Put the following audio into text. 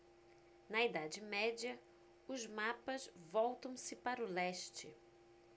na idade média os mapas voltam-se para o leste